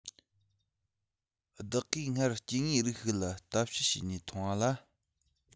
བདག གིས སྔར སྐྱེ དངོས རིགས ཤིག ལ ལྟ དཔྱད བྱས ནས མཐོང བ ལ